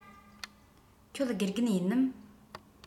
ཁྱོད དགེ རྒན ཡིན ནམ